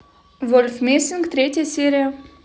вольф мессинг третья серия